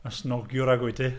Y snogiwr ag wyt ti.